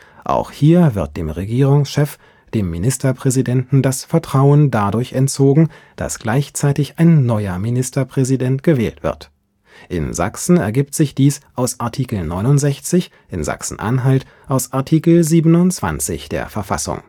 Auch hier wird dem Regierungschef, dem Ministerpräsident, das Vertrauen dadurch entzogen, dass gleichzeitig ein neuer Ministerpräsident gewählt wird. In Sachsen ergibt sich dies aus Artikel 69, in Sachsen-Anhalt aus Artikel 72 der Verfassung